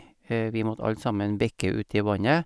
Vi måtte alle sammen bikke uti vannet.